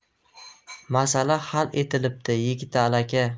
masala hal etilibdi yigitali aka